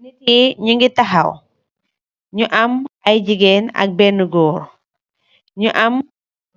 Ntti yi nyugi tawaw nyu am ay jigeen ak bena goor nyu am